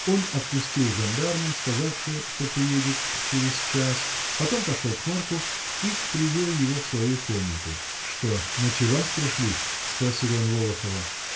Он отпустил жандарма, сказавши, что приедет через час, потом пошел к Марку и привел его в свою комнату. — Что, ночевать пришли? — спросил он Волохова.